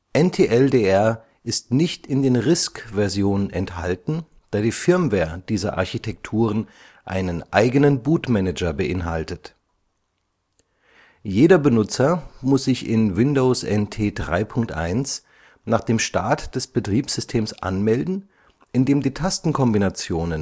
NTLDR ist nicht in den RISC-Versionen enthalten, da die Firmware dieser Architekturen einen eigenen Bootmanager beinhaltet. Jeder Benutzer muss sich in Windows NT 3.1 nach dem Start des Betriebssystems anmelden, indem die Tastenkombination